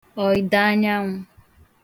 ọ̀ị̀dà anyanwụ̄